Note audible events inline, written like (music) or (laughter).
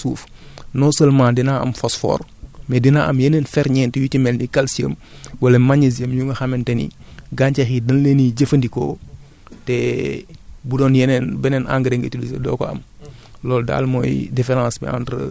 mooy (hesitation) bu ma jëloon phosphate def ko sama suuf (breath) non seulement dinaa am phosphore mais dinaa am yeneen ferñent yu ci mel ni calcium (breath) wala magnésium yu nga xamante ni (breath) gàncax yi dan leeniy jëfandikoo te bu doon yeneen beneen engrais nga utiliser doo ko am